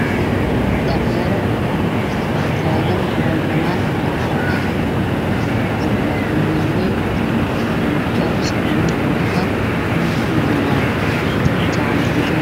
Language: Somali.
Dhalinyaro tagan mel banan oo caro ah waa banoniley dhar isku nuc ah eey watan wana jale